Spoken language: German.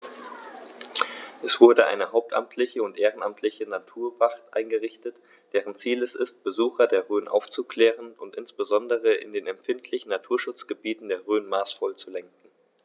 Es wurde eine hauptamtliche und ehrenamtliche Naturwacht eingerichtet, deren Ziel es ist, Besucher der Rhön aufzuklären und insbesondere in den empfindlichen Naturschutzgebieten der Rhön maßvoll zu lenken.